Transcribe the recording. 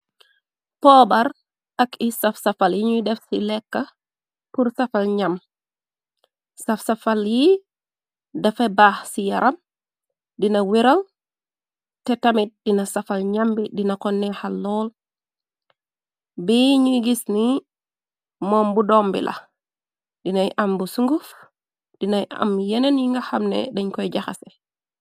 Poobar ak is-saf-safal yiñuy def ci lekka pur safal ñam safsafal yi dafay baax ci yaram dina wiral te tamit dina safal ñambi dina konne xallool bi ñuy gis ni moom bu dombi la dinay amb singuf dinay am yeneen yi nga xamne dañ koy jaxase.